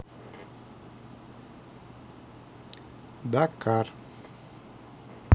дакар